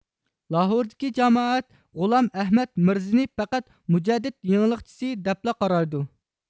لاھوردىكى جامائەت غۇلام ئەھمەد مىرزىنى پەقەت مۇجەدىد يېڭىلىقچىسى دەپلا قارايدۇ